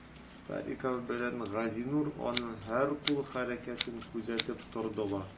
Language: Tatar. Стариков белән Газинур аның һәр кул хәрәкәтен күзәтеп тордылар.